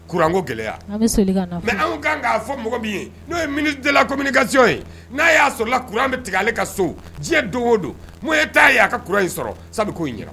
Kko gɛlɛya anw kan' fɔ min n'o ye ko ka ye n'a y'a sɔrɔ kuran bɛ tigɛ ale ka so diɲɛ do o don n' ye' a kauran in sɔrɔ sabu in jɛra